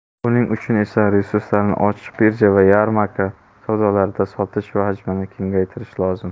buning uchun esa resurslarni ochiq birja va yarmarka savdolarida sotish hajmini kengaytirish lozim